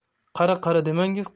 qari qari demangiz